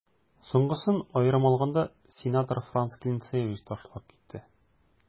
Соңгысын, аерым алганда, сенатор Франц Клинцевич ташлап китте.